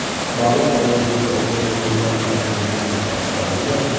baliq ovi desa o'zini tomdan tashlaydigan zokiralini